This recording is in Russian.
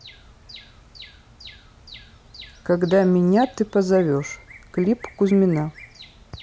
когда меня ты позовешь клип кузьмина